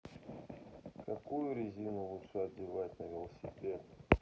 какую резину лучше одевать на велосипед